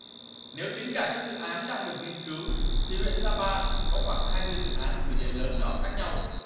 nếu tính cả các dự án đang được nghiên cứu thì huyện sa pa có khoảng hai mươi dự án thủy điện lớn nhỏ khác nhau